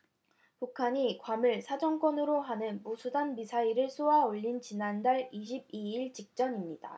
북한이 괌을 사정권으로 하는 무수단 미사일을 쏘아 올린 지난달 이십 이 일 직전입니다